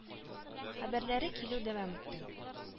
Хәбәрләре килү дәвам итте